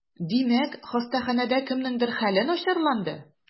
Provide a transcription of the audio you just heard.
Димәк, хастаханәдә кемнеңдер хәле начарланды?